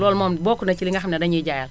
loolu moom bokk na ci li nga xam dañuy jaayal